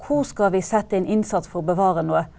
hvor skal vi sette inn innsats for å bevare noe?